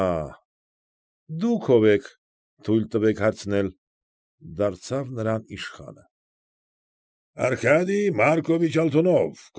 Աա՜, դուք ո՞վ եք, թույլ տվեք հարցնել,֊ դարձավ նրան իշխանը։ ֊ Արկադիյ Մարկովիչ Ալթունով։